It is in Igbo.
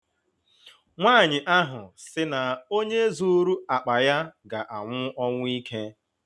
Nwaanyị ahụ sị na onye zụụrụ akpa ya ga-anwụ ọnwụ ike.